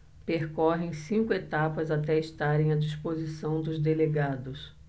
percorrem cinco etapas até estarem à disposição dos delegados